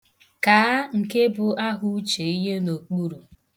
Kaa nke bụ ahauche ihe n' okpuru.